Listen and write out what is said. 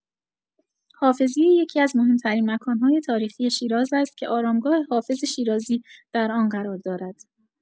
حافظیه یکی‌از مهم‌ترین مکان‌های تاریخی شیراز است که آرامگاه حافظ شیرازی در آن قرار دارد.